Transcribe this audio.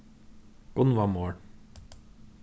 gunnvá mohr